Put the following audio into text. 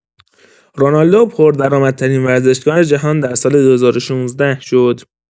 رونالدو پردرآمدترین ورزشکار جهان در سال ۲۰۱۶ شد.